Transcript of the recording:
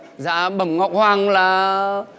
dạ bẩm ngọc hoàng là